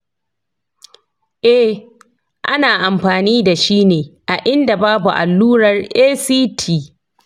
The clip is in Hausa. eh, ana amfani da shi ne a inda babu allurar act.